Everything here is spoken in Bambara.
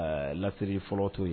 Ɛ lasiri fɔlɔ t'o ye